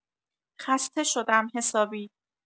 خسته شدم حسابی.